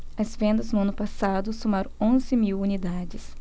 as vendas no ano passado somaram onze mil unidades